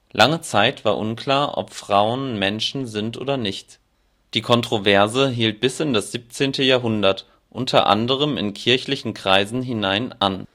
Lange Zeit war unklar, ob Frauen Menschen sind oder nicht. Die Kontroverse hielt bis in das 17. Jahrhundert u.a. in kirchlichen Kreisen hinein an